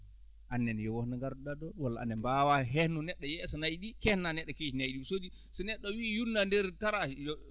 aan nene yo won no ngarduɗaa ɗoon walla aan ne mbaawa heen no neɗɗo yeeso nayi ɗii keednaa neɗɗo keeci nayi ɗii so ɗi so neɗɗo wiyii yuurna ndeer taraaki yo